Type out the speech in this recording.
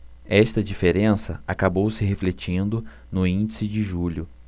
esta diferença acabou se refletindo no índice de julho